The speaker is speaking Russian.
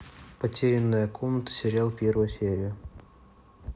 потерянная комната сериал первая серия